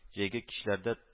Җәйге кичләрдә